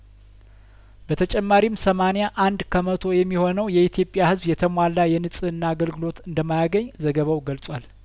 በተጨማሪም ሰማኒያአንድ ከመቶ የሚሆነው የኢትዮጵያ ህዝብ የተሟላ የንጽህና አገልግሎት እንደማ ያገኝ ዘገባው ገልጿል